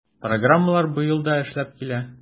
Программалар быел да эшләп килә.